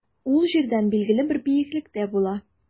Ул җирдән билгеле бер биеклектә була.